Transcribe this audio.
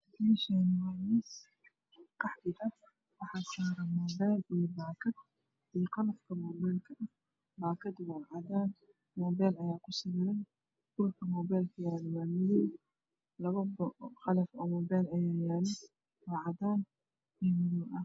Meeshaani waa miis qaxwi ah waxaa saaran mobile iyo baakad iyo qolofka mobile ka baakada waa cadaan mobile ayaa Ku sawiran dhulka mobile ka yaalo waa madow labo qolof oo mobile ayaa yaala oo cadaan iyo madow ah